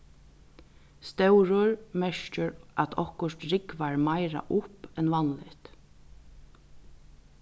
stórur merkir at okkurt rúgvar meira upp enn vanligt